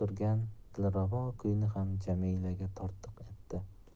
dilrabo kuyni ham jamilaga tortiq etdi